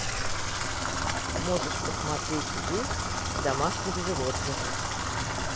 можешь посмотреть жизнь домашних животных